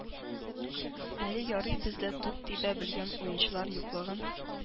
Әле ярый бездә туп тибә белгән уенчылар юклыгын